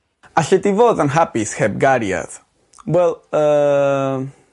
Allet ti fod yn hapus heb gariad? Wel yym.